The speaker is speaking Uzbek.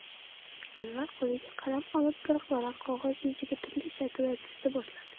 anvar qo'liga qalam olib bir varaq qog'oz yuziga turli shakllar chiza boshladi